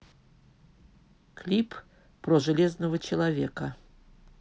клип про железного человека